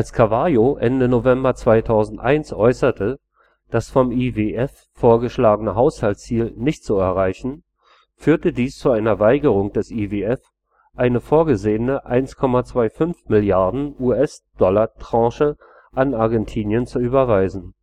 Cavallo Ende November 2001 äußerte, das vom IWF vorgegebene Haushaltsziel nicht zu erreichen, führte dies zu einer Weigerung des IWF, eine vorgesehene 1,25 Mrd. USD-Tranche an Argentinien zu überweisen